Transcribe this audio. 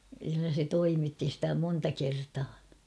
kyllä se toimitti sitä monta kertaa